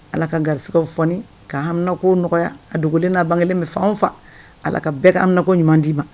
Ala ka gariw fɔoni k'mina ko nɔgɔya a dogolen n'a ban bɛ faw fa ala ka bɛɛ'ko ɲuman d'i ma